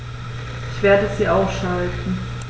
Ich werde sie ausschalten